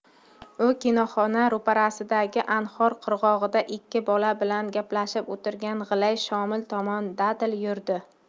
u kinoxona ro'parasidagi anhor qirg'og'ida ikki bola bilan gaplashib o'tirgan g'ilay shomil tomon dadil yurdi